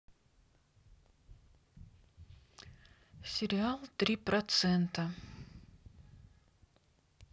сериал три процента